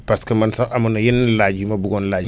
parce que man sax amoon na yeneen laaj yu ma buggoon laaj